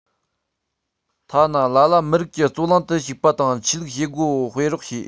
ཐ ན ལ ལ མི རིགས ཀྱི རྩོད གླེང དུ ཞུགས པ དང ཆོས ལུགས བྱེད སྒོ སྤེལ རོགས བྱེད